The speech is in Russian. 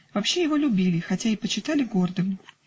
Вообще его любили, хотя и почитали гордым.